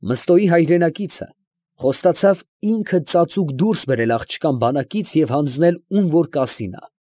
Մըստոյի հայրենակիցը խոստացավ ինքը ծածուկ դուրս բերել աղջկան բանակից և հանձնել ում որ կասի նա։